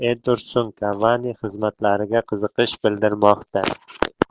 edinson kavani xizmatlariga qiziqish bildirmoqda